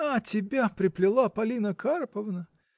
— А тебя приплела Полина Карповна!